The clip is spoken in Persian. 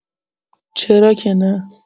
چرا که نه.